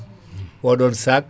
oɗon sac